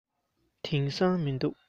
དེང སང མི འདུག